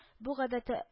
Бу гадәте